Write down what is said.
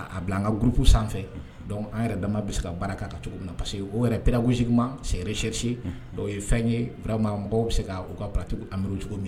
A an ka gurku sanfɛ an yɛrɛ dama bɛ se ka baara kan ka cogo min na parce que o yɛrɛ peresi ma sɛresɛrisi ye fɛn ye mɔgɔw bɛ se kati an bɛ cogo min